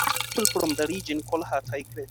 People from the region call her a "tigress".